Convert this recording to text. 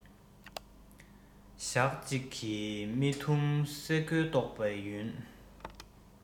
ཞག གཅིག གི རྨི ཐུང སེ གོལ གཏོག པའི ཡུན